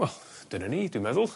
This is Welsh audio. Wel dyne ni dwi'n meddwl.